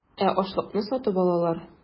Ә ашлыкны сатып алалар.